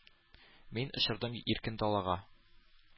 Мин очырдым иркен далага.